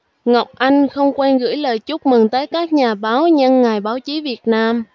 ngọc anh không quên gửi lời chúc mừng tới các nhà báo nhân ngày báo chí việt nam